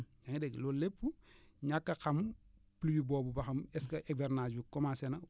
yaa ngi dégg loolu lépp ñàkk a xam pluie boobu ba xam est ce que hivernage bi commencé na